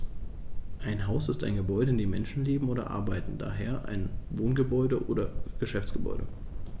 Ein Haus ist ein Gebäude, in dem Menschen leben oder arbeiten, d. h. ein Wohngebäude oder Geschäftsgebäude.